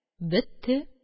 Бетте